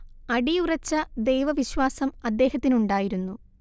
അടിയുറച്ച ദൈവവിശ്വാസം അദ്ദേഹത്തിനുണ്ടായിരുന്നു